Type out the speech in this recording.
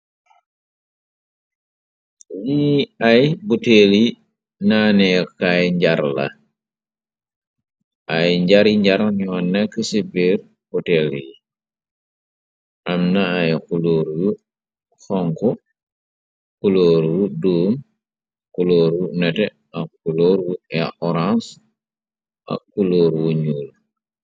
Lii ay butel yi naaneekay njar la, ay njari njar ñoo nekk ci biir butel yi, amna ay kuloor yu xonxu, kulóor wu doom, kulóoru nete, ak kulóor yu oraans, ak kulóor wu ñuul.